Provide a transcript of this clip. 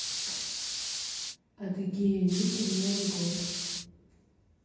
адыгея никель новый год